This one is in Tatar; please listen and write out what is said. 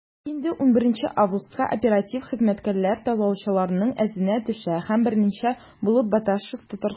Инде 11 августка оператив хезмәткәрләр талаучыларның эзенә төшә һәм беренче булып Баташев тоткарлана.